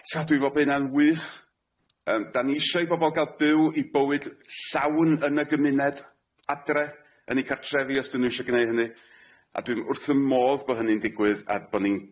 Eto dwi'n me'wl bo hynna'n wych yym 'da ni ishio i bobol ga'l byw 'i bywyd llawn yn y gymuned adre yn eu cartrefi os 'dyn nw isho gneud hynny a dwi'n wrth fy modd bo hynny'n digwydd a bo ni'n